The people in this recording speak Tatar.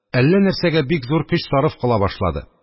Әллә нәрсәгә бик зур көч сарыф кыла башлады